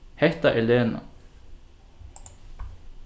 hetta er lena